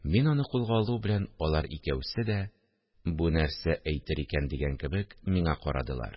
Мин аларны кулга алу белән алар икәүсе дә, «бу нәрсә әйтер икән» дигән кебек, миңа карадылар